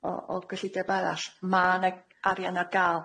o o gyllideb arall ma' na arian ar ga'l.